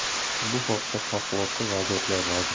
bu haqda favqulodda vaziyatlar